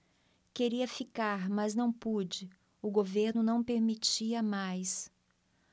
queria ficar mas não pude o governo não permitia mais